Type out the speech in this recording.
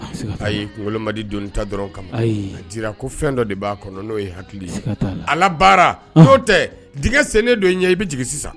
A y'i kunkoloma dɔnni ta dɔrɔn kama a jira ko fɛn dɔ de b'a kɔnɔ n'o ye hakili ye a baara tɛgɛ sen ne don ɲɛ i bɛ jigin sisan